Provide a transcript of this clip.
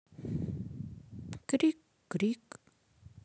крик крик